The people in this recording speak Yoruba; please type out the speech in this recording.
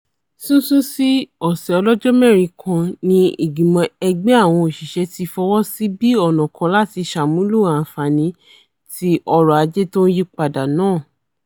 Sísún sí ọ̀sẹ̀ ọlọ́jọ́-mẹ́rin kan ni Ìgbìmọ̀ Ẹgbẹ́ Àwọn Òṣìṣẹ́ ti fọwọsí bí ọ̀nà kan láti ṣàmúlò àǹfààní ti ọrọ̀-ajé tó ńyípadà náà.